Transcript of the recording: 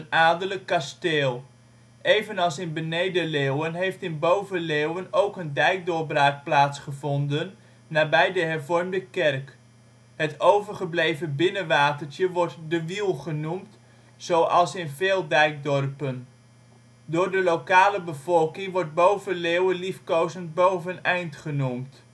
adellijk kasteel. Evenals in Beneden-Leeuwen heeft in Boven-Leeuwen ook een dijkdoorbraak plaatsgevonden, nabij de hervormde kerk. Het overgebleven binnenwatertje wordt De Wiel genoemd, zoals in veel dijkdorpen. Door de lokale bevolking wordt Boven-Leeuwen liefkozend Boven-eind genoemd